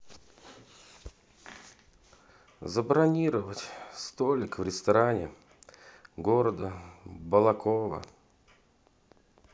забронировать столик в ресторане города балаково